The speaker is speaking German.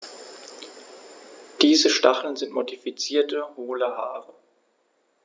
Diese Stacheln sind modifizierte, hohle Haare.